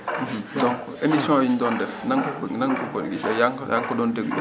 donc émissions yi ñu doon def nan nga ko nan nga ko gisee yaa ngi ko doon déglu